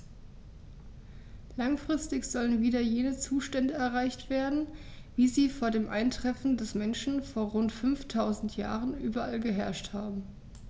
Langfristig sollen wieder jene Zustände erreicht werden, wie sie vor dem Eintreffen des Menschen vor rund 5000 Jahren überall geherrscht haben.